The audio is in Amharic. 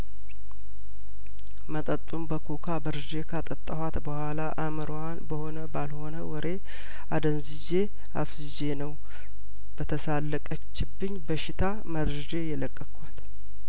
መጠጡን በኮካ በርዤ ካጠጣኋት በኋላ አእምሮዋን በሆነባል ሆነው ወሬ አደንዝዤ አፍዝዤ ነው በተሳለቀችብኝ በሽታ መርዤ የለቀኳት